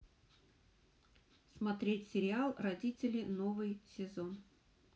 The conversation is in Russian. смотреть сериал родители новый сезон